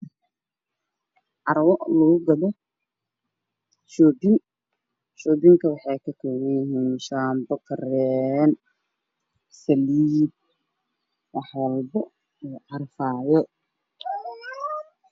Carwo lagu gado shoobin shoobinka waxay ka koobanyihiin shaambo kareen saliid wax walbo oo carfaayo